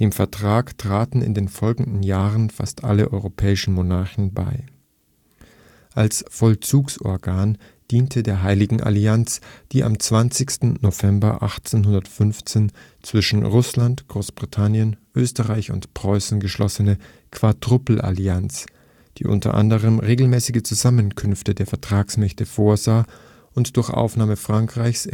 Vertrag traten in den folgenden Jahren fast alle europäischen Monarchen bei. Als Vollzugsorgan diente der Heiligen Allianz die am 20. November 1815 zwischen Russland, Großbritannien, Österreich und Preußen geschlossene Quadrupelallianz, die unter anderem regelmäßige Zusammenkünfte der Vertragsmächte vorsah und durch Aufnahme Frankreichs